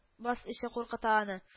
Баз эче куркыта аны